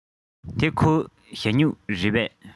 འདི ཁོའི ཞ སྨྱུག རེད པས